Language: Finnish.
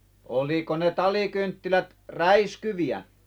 oliko ne talikynttilät räiskyviä